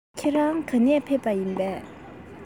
ཁྱེད རང ག ནས ཕེབས པས